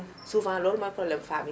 souvent loolu mooy problème yu femme yi